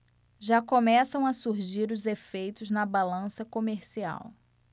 já começam a surgir os efeitos na balança comercial